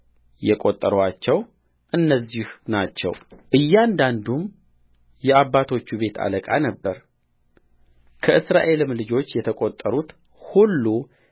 የቈጠሩአቸው እነዚህ ናቸው እያንዳንዱ የአባቶቹ ቤት አለቃ ነበረከእስራኤልም ልጆች የተቈጠሩት ሁሉ